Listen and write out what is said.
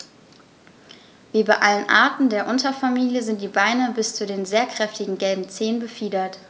Wie bei allen Arten der Unterfamilie sind die Beine bis zu den sehr kräftigen gelben Zehen befiedert.